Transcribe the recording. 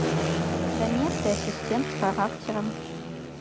да нет ты ассистент с характером